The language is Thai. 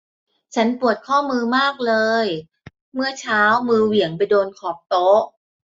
ฉันปวดข้อมือมากเลยเมื่อเช้ามือเหวี่ยงไปโดนขอบโต๊ะ